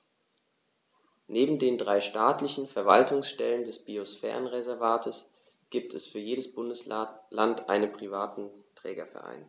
Neben den drei staatlichen Verwaltungsstellen des Biosphärenreservates gibt es für jedes Bundesland einen privaten Trägerverein.